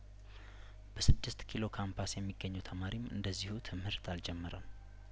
በስድስት ኪሎ ካምፓ ስየሚገኘው ተማሪም እንደዚሁ ትምህርት አልጀመረም